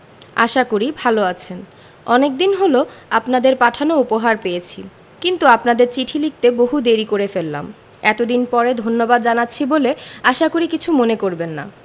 আশা করি ভালো আছেন অনেকদিন হল আপনাদের পাঠানো উপহার পেয়েছি কিন্তু আপনাদের চিঠি লিখতে বহু দেরী করে ফেললাম এতদিন পরে ধন্যবাদ জানাচ্ছি বলে আশা করি কিছু মনে করবেন না